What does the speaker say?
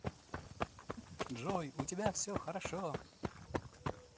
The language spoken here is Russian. джой у тебя все хорошо